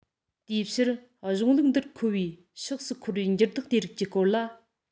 དེའི ཕྱིར གཞུང ལུགས འདིར མཁོ བའི ཕྱོགས སུ འཁོར བའི འགྱུར ལྡོག དེ རིགས ཀྱི སྐོར ལ